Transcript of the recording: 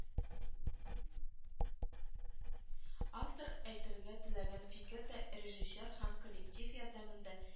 Автор әйтергә теләгән фикер дә режиссер һәм коллектив ярдәмендә